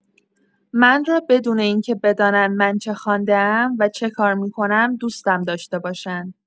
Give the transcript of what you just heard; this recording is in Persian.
من را بدون این‌که بدانند من چه خوانده‌ام و چه کار می‌کنم دوستم داشته باشند.